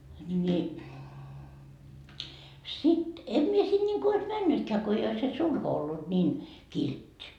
niin sitten en minä sinne niin kuin olisi mennytkään kun ei olisi se sulho ollut niin kiltti